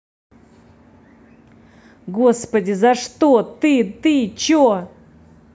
господи за что ты ты че